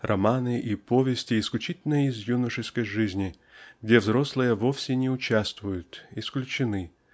романы и повести исключительно из юношеской жизни где взрослые вовсе не участвуют исключены